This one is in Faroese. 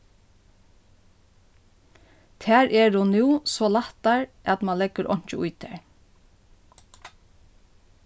tær eru nú so lættar at mann leggur einki í tær